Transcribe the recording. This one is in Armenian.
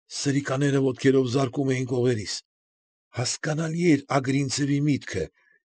Սրիկաները ոտքերով զարկում էին կողերիս։ Հասկանալի էր Արգինցևի միտքը։